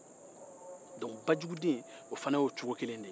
bajuguden fana ye cogo kelen de ye